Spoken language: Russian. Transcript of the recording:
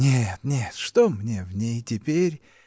— Нет, нет: что мне в ней теперь!